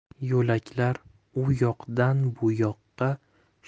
yo'lkalar u yoqdan bu yoqqa